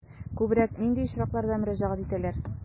Күбрәк нинди очракларда мөрәҗәгать итәләр?